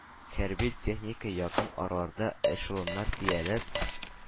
Хәрби техника якын араларда эшелоннарга төялеп,